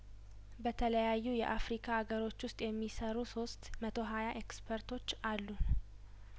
በተለያዩ የአፍሪካ አገሮች ውስጥ የሚሰሩ ሶስት መቶ ሀያ ኤክስፐርቶች አሉን